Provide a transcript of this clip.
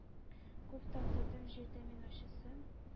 Күп татыдым җирдә мин ачысын